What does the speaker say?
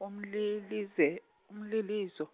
umlilize- umlilizo.